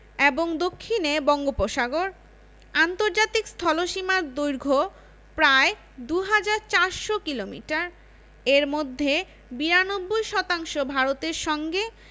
এবং দক্ষিণে বঙ্গোপসাগর আন্তর্জাতিক স্থলসীমার দৈর্ঘ্য প্রায় ২হাজার ৪০০ কিলোমিটার এর মধ্যে ৯২ শতাংশ ভারতের সঙ্গে